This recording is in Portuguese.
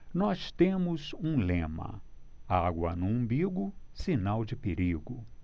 nós temos um lema água no umbigo sinal de perigo